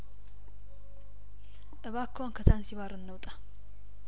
እባክዎን ከዛንዚባር አንውጣ